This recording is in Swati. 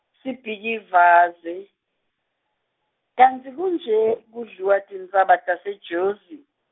Sibhikivane, kantsi kunje, kudliwa tintsaba taseJozi?